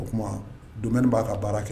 O tuma don b'a ka baara kɛ